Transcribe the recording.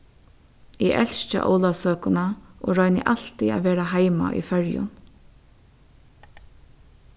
eg elski ólavsøkuna og royni altíð at vera heima í føroyum